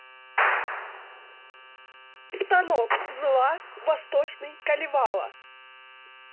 станок зла восточный калевала